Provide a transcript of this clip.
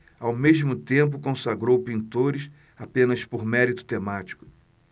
ao mesmo tempo consagrou pintores apenas por mérito temático